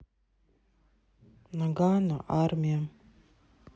ноггано армия